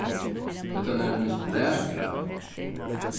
hetta nevnist blaðgrein